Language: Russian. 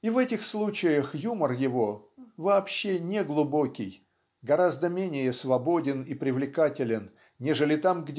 И в этих случаях юмор его (вообще не глубокий) гораздо менее свободен и привлекателен нежели там